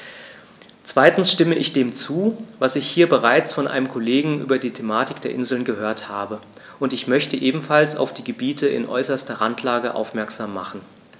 Zweitens stimme ich dem zu, was ich hier bereits von einem Kollegen über die Thematik der Inseln gehört habe, und ich möchte ebenfalls auf die Gebiete in äußerster Randlage aufmerksam machen.